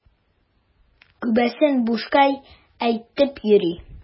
Күбесен бушка әйтеп йөри.